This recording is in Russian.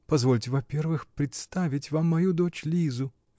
Позвольте, во-первых, представить вам мою дочь Лизу.